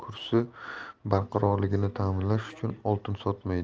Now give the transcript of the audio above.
bank almashuv kursi barqarorligini ta'minlash uchun oltin sotmaydi